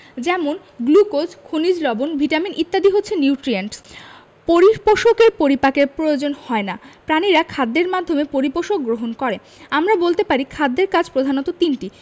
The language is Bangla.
যেমন গ্লুকোজ খনিজ লবন ভিটামিন ইত্যাদি হচ্ছে নিউট্রিয়েন্টস পরিপোষকের পরিপাকের প্রয়োজন হয় না প্রাণীরা খাদ্যের মাধ্যমে পরিপোষক গ্রহণ করে আমরা বলতে পারি খাদ্যের কাজ প্রধানত তিনটি